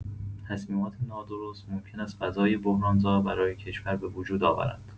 تصمیمات نادرست ممکن است فضای بحران‌زا برای کشور به وجود آورند.